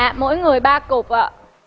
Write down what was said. ạ mỗi người ba cục ạ